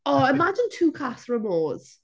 O imagine two Casa Amors.